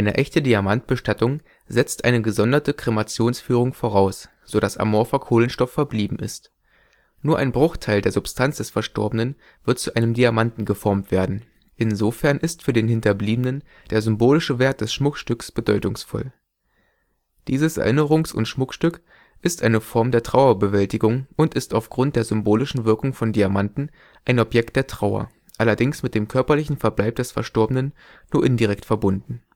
echte Diamantbestattung setzt eine gesonderte Kremationsführung voraus, sodass amorpher Kohlenstoff verblieben ist. Nur ein Bruchteil der Substanz des Verstorbenen wird zu einem Diamanten geformt werden, insofern ist für den Hinterbliebenen der symbolische Wert des Schmuckstücks bedeutungsvoll. Dieses Erinnerungs - und Schmuckstück ist eine Form der Trauerbewältigung und ist auf Grund der symbolischen Wirkung von Diamanten ein Objekt der Trauer, allerdings mit dem körperlichen Verbleib des Verstorbenen nur indirekt verbunden